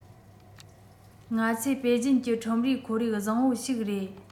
ང ཚོས པེ ཅིན གྱི ཁྲོམ རའི ཁོར ཡུག བཟང པོ ཞིག རེད